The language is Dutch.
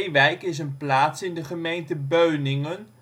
Ewijk is een plaats in de gemeente Beuningen